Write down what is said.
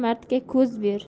mardga ko'z ber